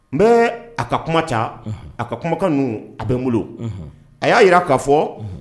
N bɛ a ka kuma ca a ka kumakan ninnu a bɛ n bolo a y'a jira k ka fɔ